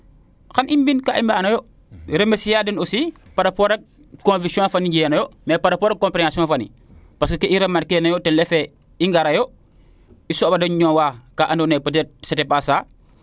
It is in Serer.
xa i mbi ka i mbag nayo remercier a den aussi par rapport ak conviction fee de njeg nayo mais par rapport fo comprehension fani parce que kee i remarquer nayo ten refee i ngara yo i soɓa de ñoowa ka ando naye peut c' etait pas ca